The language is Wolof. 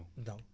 daaw